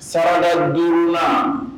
Sarada duuru la